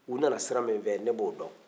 u nana sira min fɛ ne b'o dɔn